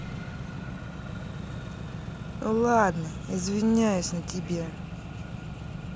ладно извиняюсь на тебе